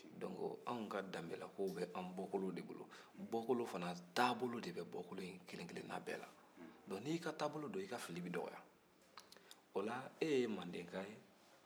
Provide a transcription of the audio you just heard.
ola anw ka danbelakow bɛ an bɔkɔlow de bolo bɔkolow fana taabolo de bɛ bɔkolo in kelen-kelenna bɛɛ la n'i y'i ka taabolo dɔn i ka fili bɛ dɔgɔya o la e ye mandeka ye